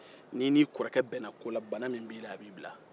n'i n'i kɔrɔkɛ bɛnna ko la bana min b'i la a b'i bila